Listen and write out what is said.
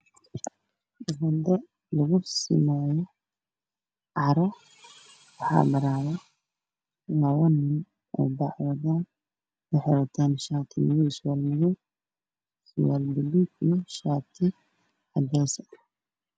Waa wado lagu samaynaayo carro